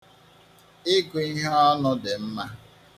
Ịgụ ihe ọnụ dị mma.